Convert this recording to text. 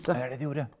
det er det det gjorde.